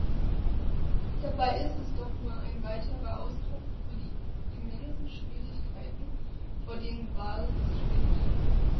Dabei ist es doch nur ein weiterer Ausdruck für die immensen Schwierigkeiten, vor denen Wales steht.